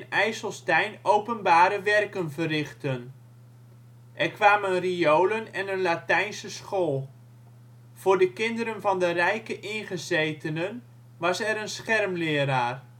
IJsselstein openbare werken verrichten. Er kwamen riolen en een Latijnse School. Voor de kinderen van de rijke ingezetenen was er een schermleraar